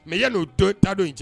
Mɛ yan n'o don ta don in cɛ